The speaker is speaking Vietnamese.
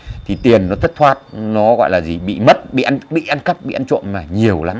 thì tiền nó thất thoát nó gọi là gì bị mất bị ăn bị ăn cắp bị ăn trộm mà nhiều lắm